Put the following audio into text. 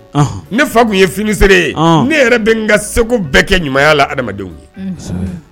Ne fa kun ye funisere ye , ne yɛrɛ bi n ka seko bɛɛ kɛ ɲumanya la adamadenw ye